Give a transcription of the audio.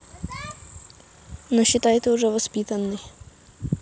ну считай ты уже невоспитанный